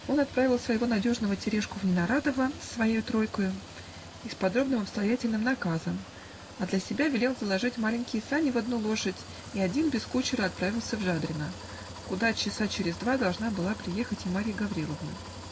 Он отправил своего надежного Терешку в Ненарадово с своею тройкою и с подробным, обстоятельным наказом, а для себя велел заложить маленькие сани в одну лошадь, и один без кучера отправился в Жадрино, куда часа через два должна была приехать и Марья Гавриловна.